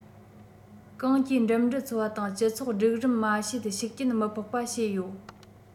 གངས ཀྱིས འགྲིམ འགྲུལ འཚོ བ དང སྤྱི ཚོགས སྒྲིག རིམ དམའ ཤོས ཤུགས རྐྱེན མི ཕོག པ བྱས ཡོད